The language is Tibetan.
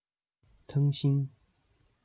ཐང ཤིང